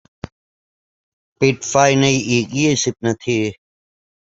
ปิดไฟในอีกยี่สิบนาที